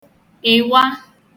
ị̀wa